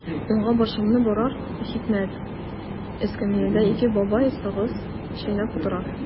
Уңга башымны борам– хикмәт: эскәмиядә ике бабай сагыз чәйнәп утыра.